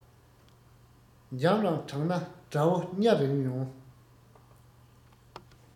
འཇམ རང དྲགས ན དགྲ བོ གཉའ རེངས ཡོང